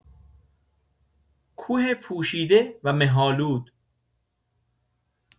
کوه پوشیده و مه‌آلود